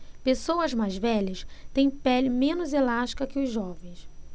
pessoas mais velhas têm pele menos elástica que os jovens